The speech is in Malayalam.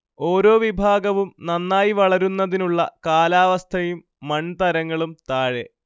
ഓരോ വിഭാഗവും നന്നായി വളരുന്നതിനുള്ള കാലാവസ്ഥയും മൺതരങ്ങളും താഴെ